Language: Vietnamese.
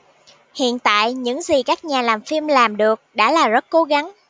hiện tại những gì các nhà làm phim làm được đã là rất cố gắng